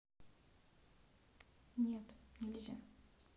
нет нельзя